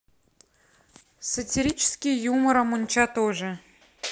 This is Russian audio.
сатирические юмора мунча тоже